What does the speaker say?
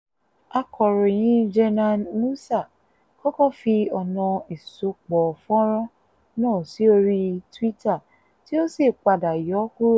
Akọ̀ròyìn Jenan Moussa kọ́kọ́ fi ọ̀nà ìsopọ̀ fọ́nràn náà sí orí Twitter tí ó sì padà yọ ọ́ kúrò.